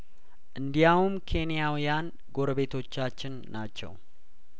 እንዲያውም ኬንያውያን ጐረቤቶቻችን ናቸው